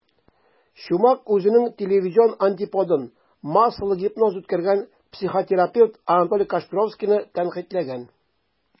Чумак үзенең телевизион антиподын - массалы гипноз үткәргән психотерапевт Анатолий Кашпировскийны тәнкыйтьләгән.